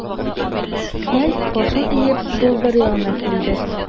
Князь, башын иеп, болдыр янына килде.